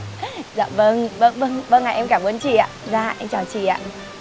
dạ vâng vâng vâng vâng em cảm ơn chị ạ dạ em chào chị ạ